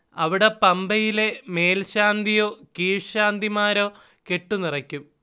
അവിട പമ്പയിലെ മേൽശാന്തിയോ കീഴ്ശാന്തിമാരോ കെട്ടു നിറയ്ക്കും